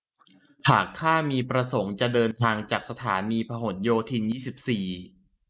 หากข้ามีประสงค์จะเดินทางจากสถานีพหลโยธินยี่สิบสี่